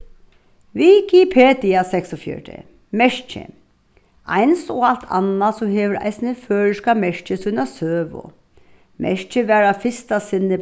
wikipedia seksogfjøruti merkið eins og alt annað so hevur eisini føroyska merkið sína søgu merkið varð á fyrsta sinni